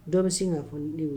Dɔw bɛ se ka fɔlen